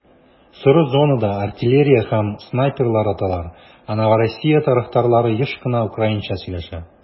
Соры зонада артиллерия һәм снайперлар аталар, ә Новороссия тарафтарлары еш кына украинча сөйләшә.